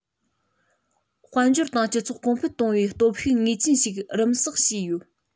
དཔལ འབྱོར དང སྤྱི ཚོགས གོང འཕེལ གཏོང བའི སྟོབས ཤུགས ངེས ཅན ཞིག རིམ བསགས བྱས ཡོད